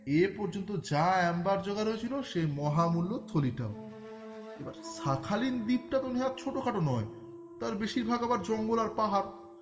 এক এ পর্যন্ত যা এম্বার জোগাড় হয়েছিল সেই মহামূল্য থলিটা ও শাখালিন দ্বীপটা তো আর ছোট খাটো নয় তার বেশিরভাগই আবার জঙ্গল আর পাহাড়